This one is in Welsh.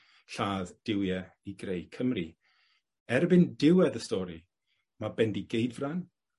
Lladd Duwiau i Greu Cymru. Erbyn diwedd y stori ma' Bendigeidfran